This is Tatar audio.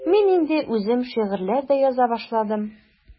Мин инде үзем шигырьләр дә яза башладым.